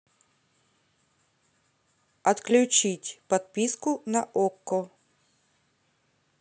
отключить подписку на окко